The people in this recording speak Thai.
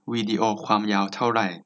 วิดีโอความยาวเท่าไหร่